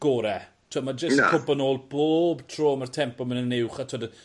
gore. T'wod ma' jyst cwmpo nôl bob tro ma'r tempo'n myn' yn uwch a t'wod y